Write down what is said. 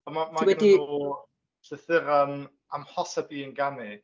Mae mae ... Ti wedi? ...gyda nhw llythyren amhosib i ynganu.